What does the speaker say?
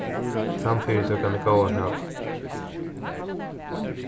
tann fyritøkan er góð at hava